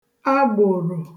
agbòrò